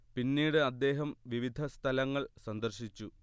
പിന്നീട് അദ്ദേഹം വിവിധ സ്ഥലങ്ങൾ സന്ദർശിച്ചു